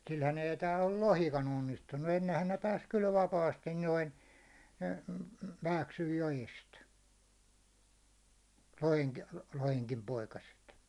sillähän ei täällä ole lohikaan onnistunut ennenhän ne pääsi kyllä vapaasti noin mm mm Vääksyn joesta - lohenkin poikaset